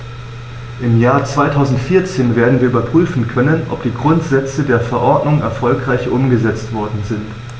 Im Jahr 2014 werden wir überprüfen können, ob die Grundsätze der Verordnung erfolgreich umgesetzt worden sind.